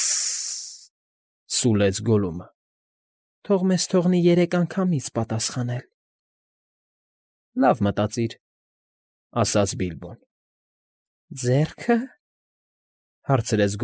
Ս֊ս֊ս,֊ սուլեց Գոլլումը։ ֊ Թող մեզ֊զ֊զ թողնի երեք անգամից պատաս֊ս֊սխանել։ ֊ Լավ, մտածիր,֊ ասաց Բիլբոն։ ֊ Ձե՞ռքը,֊ հարցրեց։